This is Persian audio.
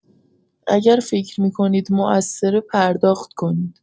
اگه فکر می‌کنید موثره پرداخت کنید.